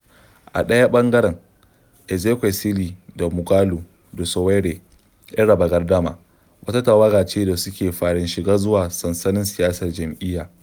A ɗaya ɓangaren, Ezekwesili da Moghalu da Sowore 'yan "raba-gardama" wata tawaga ce da suke farin shiga zuwa sansanin siyasar jam'iyya.